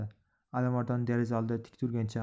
alimardon deraza oldida tik turgancha